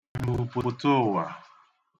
m̀vùpùtụụ̀wà